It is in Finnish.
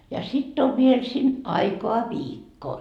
ja sitten on vielä sinne aikaa viikko